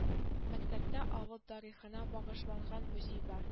Мәктәптә авыл тарихына багышланган музей бар